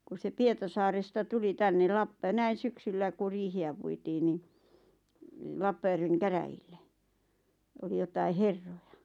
kun se Pietasaaresta tuli tänne - näin syksyllä kun riihiä puitiin niin Lappajärven käräjille oli jotakin herroja